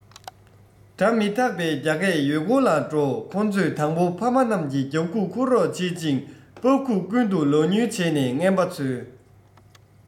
སྒྲ མི དག པའི རྒྱ སྐད ཡུལ སྐོར ལ འགྲོ ཁོ ཚོས དང པོ ཕ མ རྣམས ཀྱི རྒྱབ ཁུག འཁུར རོགས བྱེད ཅིང པར ཁུག ཀུན ཏུ ལག ཉུལ བྱས ནས རྔན པ འཚོལ